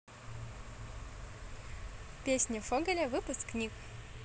песня фогеля выпускник